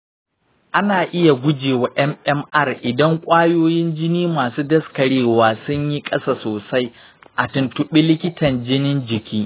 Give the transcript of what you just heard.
ana iya guje wa mmr idan ƙwayoyin jini masu daskarewa sun yi ƙasa sosai. a tuntubi likitan jinin jiki.